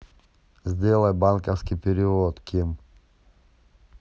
сделай банковский перевод ким